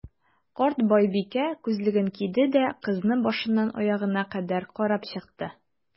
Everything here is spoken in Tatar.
Карт байбикә, күзлеген киде дә, кызны башыннан аягына кадәр карап чыкты.